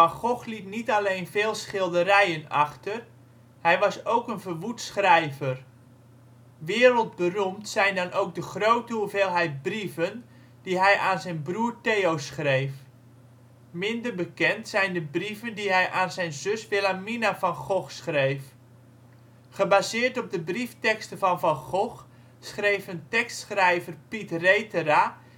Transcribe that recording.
Gogh liet niet alleen veel schilderijen achter. Hij was ook een verwoed schrijver. Wereldberoemd zijn dan ook de grote hoeveelheid brieven die hij aan zijn broer Theo schreef. Minder bekend zijn de brieven die hij aan zijn zus Willemina van Gogh schreef. Gebaseerd op de briefteksten van Van Gogh, schreven tekstschrijver Piet Retera